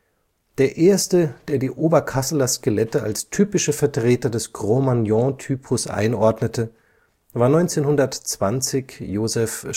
Der erste, der die Oberkasseler Skelette als typische Vertreter des Cro-Magnon-Typus einordnete, war 1920 Josef